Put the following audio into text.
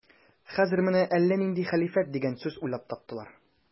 Хәзер менә әллә нинди хәлифәт дигән сүз уйлап таптылар.